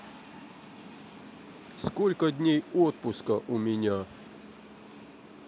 сколько дней отпуска у меня